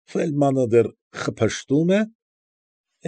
Ֆեյլդմանը դեռ խփշտում է։